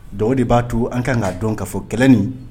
Dɔ de b'a to an ka ŋ'a dɔn ka fɔ kɛlen nin